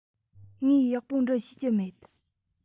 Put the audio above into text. ངས ཡག པོ འབྲི ཤེས ཀྱི མེད